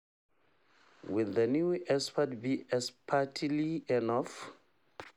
Will the new experts be expertly enough?